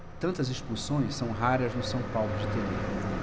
tantas expulsões são raras no são paulo de telê